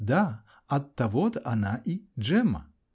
-- Да; оттого-то она и -- Джемма!